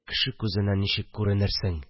Кеше күзенә ничек күренерсең